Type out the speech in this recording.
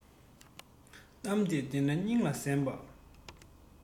གཏམ དེ བདེན ན སྙིང ལ གཟན པ